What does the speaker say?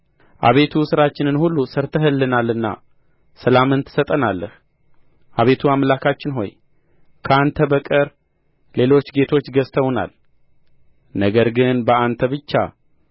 አቤቱ ሥራችንን ሁሉ ሠርተህልናልና ሰላምን ትሰጠናለህ አቤቱ አምላካችን ሆይ ከአንተ በቀር ሌሎች ጌቶች ገዝተውናል ነገር ግን በአንተ ብቻ